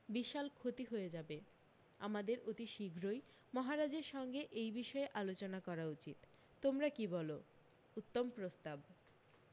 বিশাল ক্ষতি হয়ে যাবে আমাদের অতি শীঘ্রই মহারাজের সঙ্গে এই বিষয়ে আলোচনা করা উচিত তোমরা কী বল উত্তম প্রস্তাব